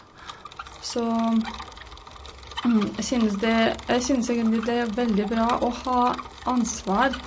Så jeg synes det jeg synes egentlig det er veldig bra å ha ansvar.